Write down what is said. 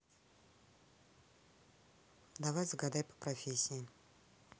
давай загадай по профессии